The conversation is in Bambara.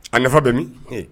A nafa bɛ min